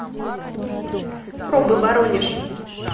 пробы воронеж